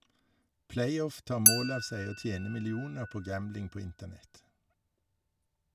Playoff tar mål av seg å tjene millioner på gambling på internett.